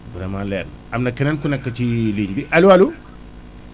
vraiment leer na am na keneen ku nekk ci ligne bi allo allo